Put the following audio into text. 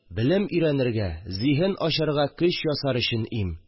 Белем өйрәнергә, зиһен ачарга көч ясар өчен им